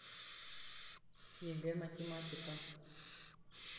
егэ математика